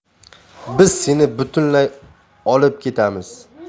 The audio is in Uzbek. biz seni butunlay olib ketamiz